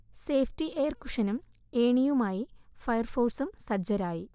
safety air കുഷനും ഏണിയുമായി fire ഫോഴ്സും സജ്ജരായി